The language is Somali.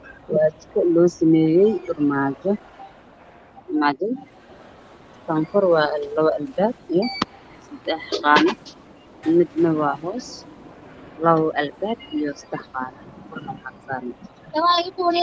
Waa jiko loo sameeyay farmaajo waxa ay ka kooban tahay saddex qayb midabkeedu waa caddays cadaan waana jiko